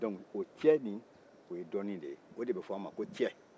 dɔnc o cɛ ni o ye dɔɔnin ye o de bɛ fɔ an man ko cɛ